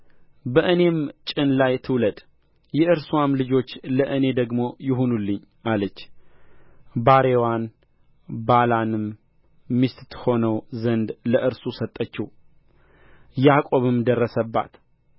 በእኔም ጭን ላይ ትውለድ የእርስዋም ልጆች ለእኔ ደግሞ ይሁኑልኝ አለች ባሪያዋን ባላንም ሚስት ትሆነው ዘንድ ለእርሱ ሰጠችው ያዕቆብም ደረሰባት